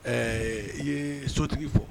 Ɛɛ i ye sotigi fɔ